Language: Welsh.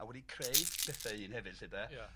...a wedi creu un hefyd 'lly de. Ia.